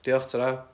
diolch tara